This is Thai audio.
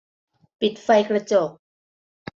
ปิดไฟกระจก